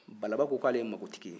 balaba ko k'ale ye mako tigi ye